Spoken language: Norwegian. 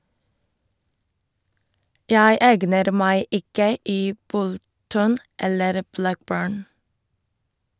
- Jeg egner meg ikke i Bolton eller Blackburn.